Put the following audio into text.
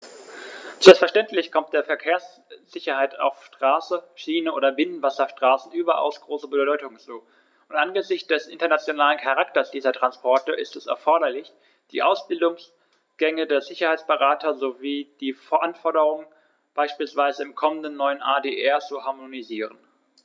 Selbstverständlich kommt der Verkehrssicherheit auf Straße, Schiene oder Binnenwasserstraßen überaus große Bedeutung zu, und angesichts des internationalen Charakters dieser Transporte ist es erforderlich, die Ausbildungsgänge für Sicherheitsberater sowie die Anforderungen beispielsweise im kommenden neuen ADR zu harmonisieren.